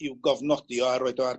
i'w gofnodi o a roid o ar